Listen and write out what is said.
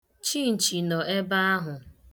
Chịnchị nọ ebe ahụ.